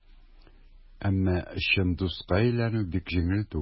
Әмма чын дуска әйләнү бик җиңел түгел.